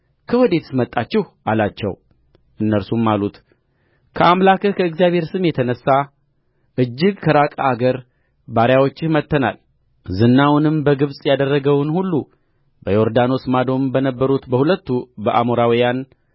ከወዴትስ መጣችሁ አላቸው እነርሱም አሉት ከአምላክህ ከእግዚአብሔር ስም የተነሣ እጅግ ከራቀ አገር ባሪያዎችህ መጥተናል ዝናውንም በግብፅም ያደረገውን ሁሉ በዮርዳኖስ ማዶም በነበሩት በሁለቱ በአሞራውያን